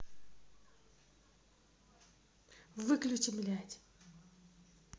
выключи блять